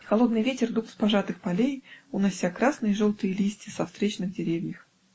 холодный ветер дул с пожатых полей, унося красные и желтые листья со встречных деревьев.